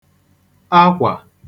akwà